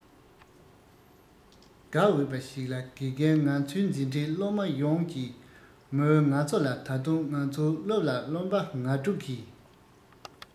དགའ འོས པ ཞིག ལ དགེ རྒན ང ཚོའི འཛིན གྲྭའི སློབ མ ཡོངས ཀྱིས མོའི ང ཚོ ལ ད དུང ང ཚོའི སློབ ལ བརློན པ ང དྲུག གིས